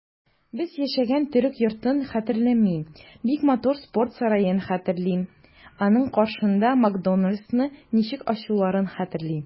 Без яшәгән төрек йортын хәтерлим, бик матур спорт сараен хәтерлим, аның каршында "Макдоналдс"ны ничек ачуларын хәтерлим.